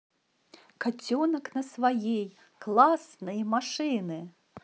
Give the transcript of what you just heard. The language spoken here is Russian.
котенок на своей классные машины